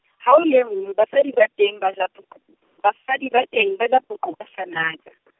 ha ho lenngwe basadi ba teng ba ja , basadi ba teng, ba ja poqo, ka hlanaka .